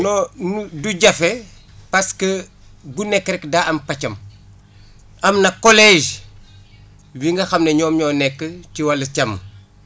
non du jafe parce que bu nekk rek daa am pàccam am na collège bi nga xam ne ñoom ñoo nekk ci wàllu càmm